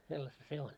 sellaista se on